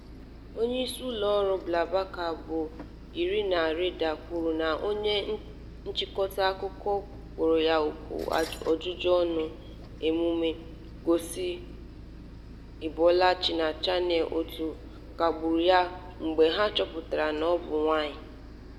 Onye isi ụlọọrụ BlaBlaCar bụ Irina Reyder kwuru na onye nchịkọta akụkọ kpọrọ ya oku ajụjụọnụ n'emume ngosi Good Morning na Channel One kagburu ya mgbe ha chọpụtara na ọ bụ nwaanyị.